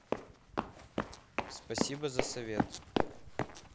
спасибо за совет